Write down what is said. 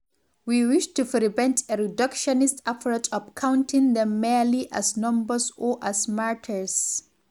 We wish to prevent a reductionist approach of counting them merely as numbers or as martyrs.